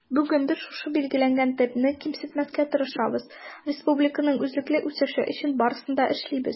Бүген без шушы билгеләнгән темпны киметмәскә тырышабыз, республиканың эзлекле үсеше өчен барысын да эшлибез.